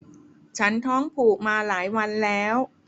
ฉันท้องผูกมาหลายวันแล้ว